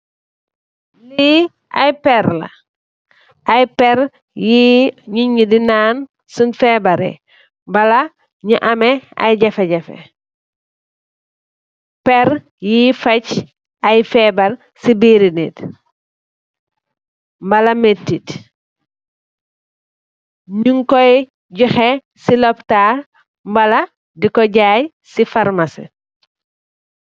Lii ay pér la, pér yu nit ñi di naan suñge fébaare walla ñu am jefe jefe. Pér yuy facc ay fébar si biir I nit walla mëëtit. Ñung kooy joxee lopitaal mballa di ko jàày si farmasi.